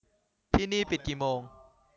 ที่นี่ปิดกี่โมง